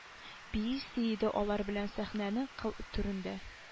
Биисе иде алар белән сәхнәнең кыл түрендә